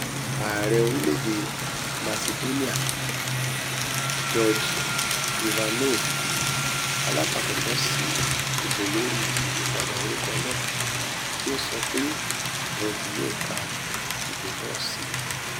Ààrẹ orílẹ̀-èdè Masidóníà Gjorge Ivanov, alátakò kan sí ìbò lóri ìyípadà orúkọ náà, ti sọpé òun kì yóò ka ìbò náà sí.